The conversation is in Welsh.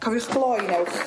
Cofiwch gloi ewch.